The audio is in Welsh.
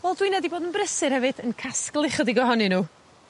wel dw inna 'di bod yn brysur hefyd yn casglu chydig ohonyn n'w.